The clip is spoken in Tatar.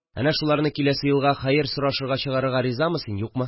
Әнә шуларны киләсе елга хәер сорашырга чыгарырга ризамы син, юкмы